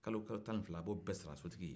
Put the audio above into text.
kalo tan ni fila a b'o bɛɛ sara sotigi ye